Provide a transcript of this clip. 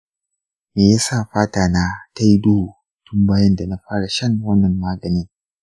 me ya sa fata na ta yi duhu tun bayan da na fara shan wannan maganin?